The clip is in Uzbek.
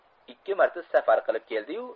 ikki marta safar qilib keldiyu